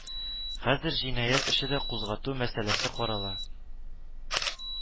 Хәзер җинаять эше кузгату мәсьәләсе карала